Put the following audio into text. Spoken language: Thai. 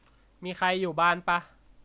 มีใครอยู่บ้านปะ